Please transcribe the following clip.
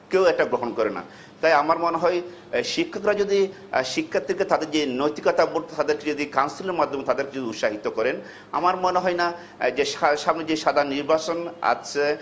কেউ এটা গ্রহণ করে না তাই আমার মনে হয় শিক্ষকরা যদি শিক্ষার্থীদের কে তাদের যদি নৈতিকতাবোধ কাউন্সেলিং এর মাধ্যমে তাদের যদি উৎসাহিত করেন আমার মনে হয় না যে সামনে যে সাধারণ নির্বাচন আছে